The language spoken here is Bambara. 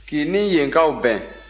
k'i ni yenkaw bɛn